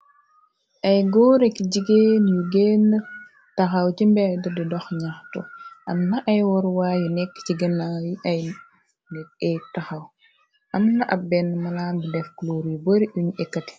Ay góore ki jigeen yu genn taxaw ci mbeyd di dox ñaxtu amna ay warwaayu nekk ci ginlan yi ay ni e taxaw amna ab benn malanbu def clor yu bari uñu ekkat yi.